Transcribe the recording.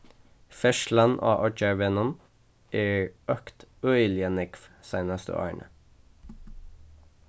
ferðslan á oyggjarvegnum er økt øgiliga nógv seinastu árini